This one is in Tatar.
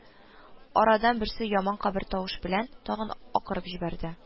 Арадан берсе яман кабер тавышы белән тагын акырып җибәрде